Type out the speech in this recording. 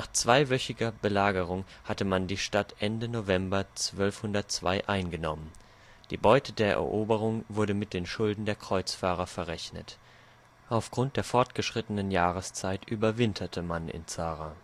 zweiwöchiger Belagerung hatte man die Stadt Ende November 1202 eingenommen. Die Beute der Eroberung wurde mit den Schulden der Kreuzfahrer verrechnet. Aufgrund der fortgeschrittenen Jahreszeit überwinterte man in Zara